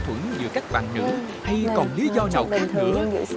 giữa các bạn nữ hay là còn lí do nào khác nữa